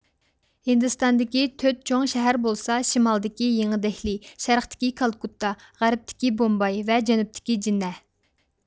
ھىندىستاندىكى تۆت چوڭ شەھەر بولسا شىمالدىكى يېڭى دېھلى شەرقتىكى كالكۇتتا غەربتىكى بومباي ۋە جەنۇبتىكى جىننەھ